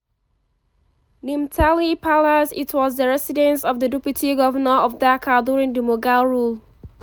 Nimtali Palace, it was the residence of the Deputy Governor of Dhaka during the Mughal rule.